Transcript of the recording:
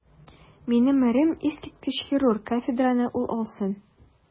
Минем ирем - искиткеч хирург, кафедраны ул алсын.